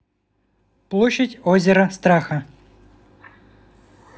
площадь озера страха